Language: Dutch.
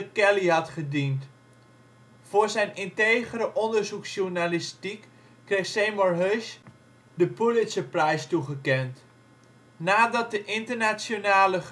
had gediend. Voor zijn integere onderzoeksjournalistiek kreeg Seymour Hersh de Pulitzer-prijs toegekend. Nadat de internationale